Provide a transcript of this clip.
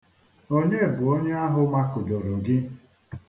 Onye bụ onye ahụ makudoro gị?